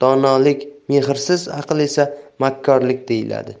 donolik mehrsiz aql esa makkorlik deyiladi